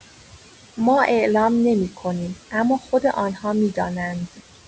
ما اعلام نمی‌کنیم اما خود آن‌ها می‌دانند.